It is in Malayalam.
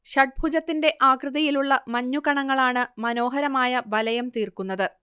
ഷഡ്ഭുജത്തിന്റെ ആകൃതിയിലുള്ള മഞ്ഞുകണങ്ങളാണ് മനോഹരമായ വലയം തീർക്കുന്നത്